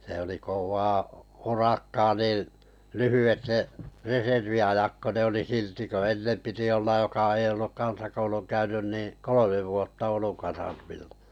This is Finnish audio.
se oli kovaa urakkaa niin lyhyet ne reserviajat kun ne oli silti kun ennen piti olla joka ei ollut kansakoulun käynyt niin kolme vuotta Oulun kasarmilla